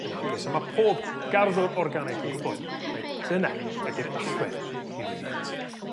yn hapus a ma' pob garddwr organig yn gwbod mai dyna ydi'r allwedd i lwyddiant.